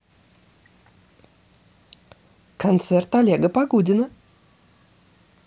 концерт олега погудина